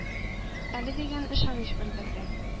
Әле дигән ышаныч белдерде.